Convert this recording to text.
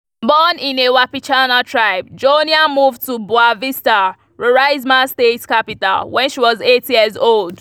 Born in a Wapichana tribe, Joenia moved to Boa Vista, Roraima's state capital, when she was eight years old.